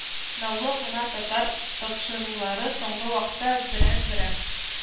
Наулы гына татар тапшырулары соңгы вакытта берәм-берәм